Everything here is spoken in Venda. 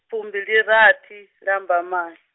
fumbilirathi, Lambamai.